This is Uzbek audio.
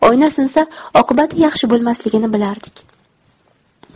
oyna sinsa oqibati yaxshi bo'lmasligini bilardik